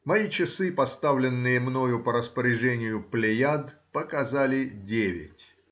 Мои часы, поставленные мною по расположению Плеяд, показали девять.